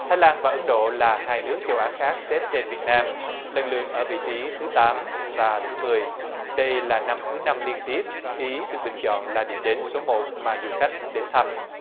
thái lan và ấn độ là hai nước châu á khác xếp trên việt nam lần lượt ở vị trí thứ tám và thứ mười đây là năm thứ năm liên tiếp ý được bình chọn là điểm đến số một mà du khách muốn đến thăm